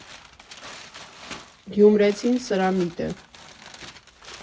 Գյումրեցին սրամիտ է։